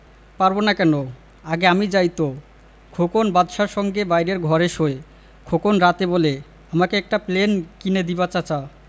পারব না কেন আগে আমি যাই তো খোকন বাদশার সঙ্গে বাইরের ঘরে শোয় খোকন রাতে বলে আমাকে একটা প্লেন কিনে দিবা চাচা